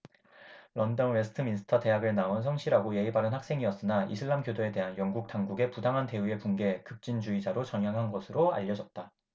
런던 웨스트민스터 대학을 나온 성실하고 예의 바른 학생이었으나 이슬람교도에 대한 영국 당국의 부당한 대우에 분개해 급진주의자로 전향한 것으로 알려졌다